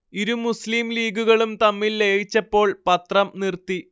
ഇരു മുസ്ലിം ലീഗുകളും തമ്മിൽ ലയിച്ചപ്പോൾ പത്രം നിർത്തി